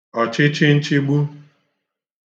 ọ̀chịchịnchigbu